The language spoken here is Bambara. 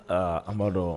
Aa an b'a dɔn